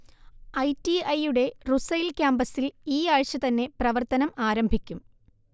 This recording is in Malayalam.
ഐ ടി ഐ യുടെ റുസൈൽ ക്യാപസിൽ ഈയാഴ്ച്ച തന്നെ പ്രവർത്തനം ആരംഭിക്കും